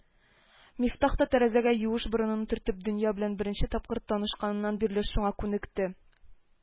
Мифтах та тәрәзәгә юеш борынын төртеп дөнья белән беренче тапкыр танышканнан бирле шуңа күнекте